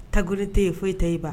Tagoni te ye foyi tɛ ye ba